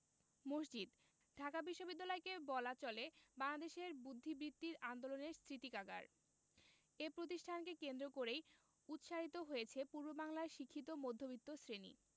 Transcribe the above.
মসজিদ ঢাকা বিশ্ববিদ্যালয়কে বলা চলে বাংলাদেশের বুদ্ধিবৃত্তিক আন্দোলনের সৃতিকাগার এ প্রতিষ্ঠানকে কেন্দ্র করেই উৎসারিত হয়েছে পূর্ববাংলার শিক্ষিত মধ্যবিত্ত শ্রেণি